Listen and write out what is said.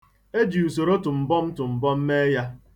E ji usoro tụmbọm tụmbọm mee ya.